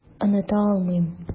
Оныта алмыйм.